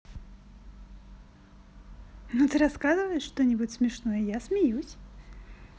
ну ты рассказываешь что нибудь смешное я смеюсь